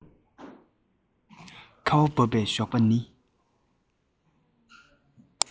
ཁ བ བབས པའི ཞོགས པ ནི